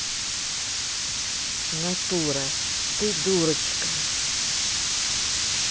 natura ты дурочка